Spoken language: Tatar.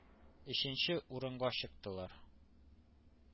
Өченче урынга чыктылар.